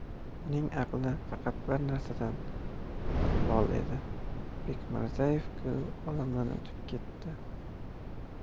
uning aqli faqat bir narsadan lol edi bekmirzaevku olamdan o'tib ketdi